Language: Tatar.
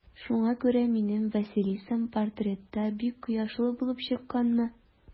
Шуңа күрә минем Василисам портретта бик кояшлы булып чыкканмы?